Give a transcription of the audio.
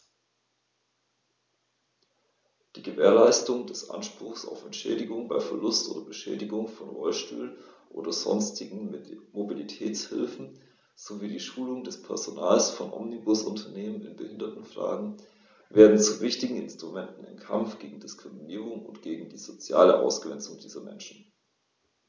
Die Gewährleistung des Anspruchs auf Entschädigung bei Verlust oder Beschädigung von Rollstühlen oder sonstigen Mobilitätshilfen sowie die Schulung des Personals von Omnibusunternehmen in Behindertenfragen werden zu wichtigen Instrumenten im Kampf gegen Diskriminierung und gegen die soziale Ausgrenzung dieser Menschen.